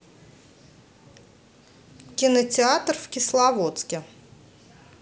кинотеатр в кисловодске